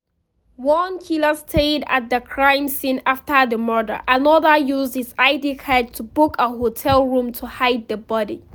One killer stayed at the crime scene after the murder; another used his ID card to book a hotel room to hide the body.